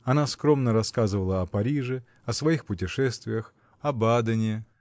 Она скромно рассказывала о Париже, о своих путешествиях, о Бадено